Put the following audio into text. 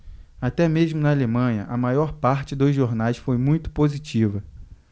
até mesmo na alemanha a maior parte dos jornais foi muito positiva